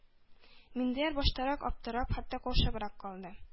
Миндияр баштарак аптырап, хәтта каушабрак калды.